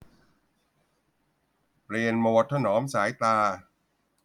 เปลี่ยนโหมดถนอมสายตา